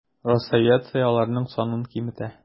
Росавиация аларның санын киметә.